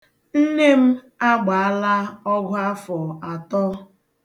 Nne m agbaala ọgụ afọ atọ.